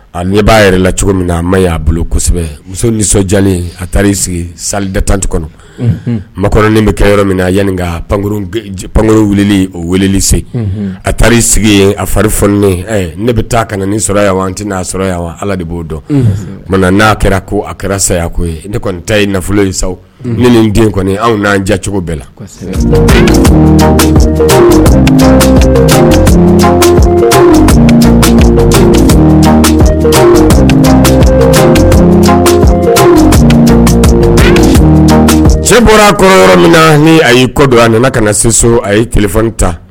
A ne b'a yɛrɛ la cogo min na ma y'a bolo kosɛbɛ musoli nisɔndiyalen a taa' sigi sada tanti kɔnɔ ma kɔniin bɛ kɛ yɔrɔ min a yanni ka pank pankkururo wuli o weele se a taara' ii sigi yen a fari fnen ne bɛ taa kana ni sɔrɔ yan an tɛna n'a sɔrɔ yan ala de b'o dɔn nka n'a kɛra ko a kɛra sayako ye ne kɔni ta ye nafolo ye sa ni nin den kɔni anw n'an diyacogo bɛɛ la cɛ bɔra a kɔrɔ yɔrɔ min na ni a y'i kɔ don a nana ka na sin a ye t ta